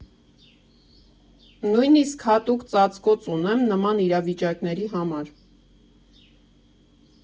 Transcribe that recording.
Նույնիսկ հատուկ ծածկոց ունեմ նման իրավիճակների համար։